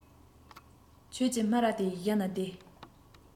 ཁྱོད ཀྱི སྨ ར དེ གཞར ན བདེ